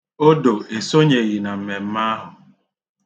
Odo esonyeghị na mmemme ahụ.